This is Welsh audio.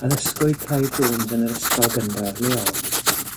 Addysgwyd Clive Jones yn yr ysgol gynradd leol